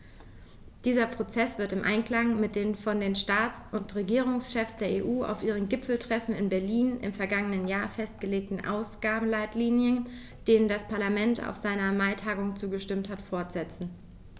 Dieser Prozess wird im Einklang mit den von den Staats- und Regierungschefs der EU auf ihrem Gipfeltreffen in Berlin im vergangenen Jahr festgelegten Ausgabenleitlinien, denen das Parlament auf seiner Maitagung zugestimmt hat, fortgesetzt.